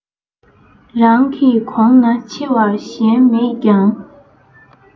རང གི གོང ན ཆེ བ གཞན མེད ཀྱང